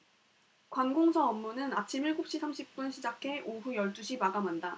관공서 업무는 아침 일곱 시 삼십 분 시작해 오후 열 두 시 마감한다